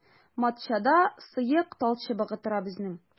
Матчада сыек талчыбыгы тора безнең.